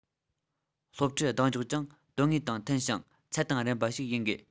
སློབ ཁྲིད གདེང འཇོག ཀྱང དོན དངོས དང མཐུན ཞིང ཚད དང རན པ ཞིག ཡིན དགོས